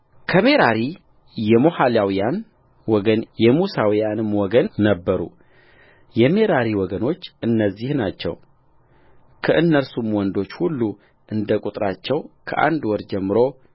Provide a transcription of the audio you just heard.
ከሜራሪ የሞሖላውያን ወገን የሙሳያውያንም ወገን ነበሩ የሜራሪ ወገኖች እነዚህ ናቸውከእነርሱም ወንዶች ሁሉ እንደ ቍጥራቸው ከአንድ ወር ጀምሮ